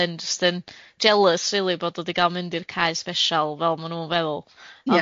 fel hyn, jyst yn jelys rili bod o di gal mynd i'r cae sbeshal fel ma' nw'n feddwl.